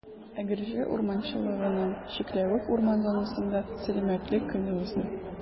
Әгерҗе урманчылыгының «Чикләвек» урман зонасында Сәламәтлек көне узды.